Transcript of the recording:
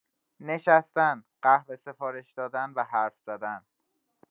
نشستن، قهوه سفارش دادن و حرف‌زدن.